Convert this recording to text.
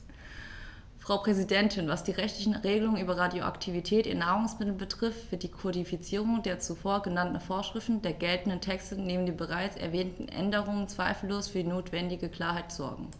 Frau Präsidentin, was die rechtlichen Regelungen über Radioaktivität in Nahrungsmitteln betrifft, wird die Kodifizierung der zuvor genannten Vorschriften der geltenden Texte neben den bereits erwähnten Änderungen zweifellos für die notwendige Klarheit sorgen.